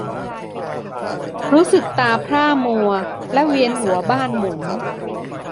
รู้สึกตาพร่ามัวและเวียนหัวบ้านหมุน